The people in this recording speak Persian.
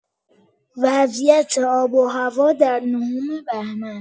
وضعیت آب و هوا در نهم بهمن